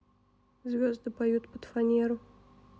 звезды поют под фанеру